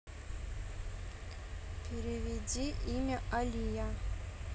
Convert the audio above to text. переведи имя алия